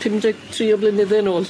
Pumdeg tri o blynydde nôl.